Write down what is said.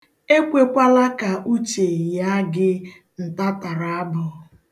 Ekwekwala ka Uche yịa gị ntatarabụ.